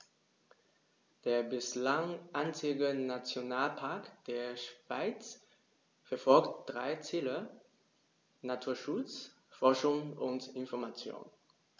Der bislang einzige Nationalpark der Schweiz verfolgt drei Ziele: Naturschutz, Forschung und Information.